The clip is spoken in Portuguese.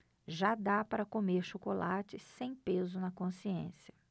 já dá para comer chocolate sem peso na consciência